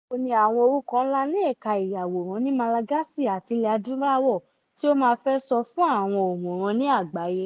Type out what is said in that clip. Àwọn wo ni àwọn orúkọ ńlá ní ẹ̀ka ìyàwòrán ní Malagasy àti ilẹ̀ Adúláwọ̀ tí o máa fẹ́ sọ fún àwọn òǹwòran ní àgbáyé?